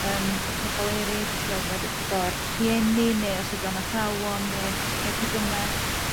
yym y pobol eryll whether bod o a'r rhieni ne' os ydi o'n athrawon ne' ne' pwy bynnag.